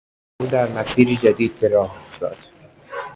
او در مسیری جدید به راه افتاد.